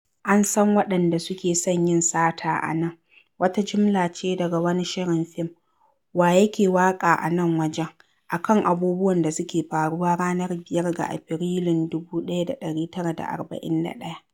An san waɗanda suke son yin sata a nan! wata jimla ce daga wani shirin fim "Wa yake waƙa a nan wajen?" a kan abubuwan da suke faruwa ranar 5 ga Aprilun 1941.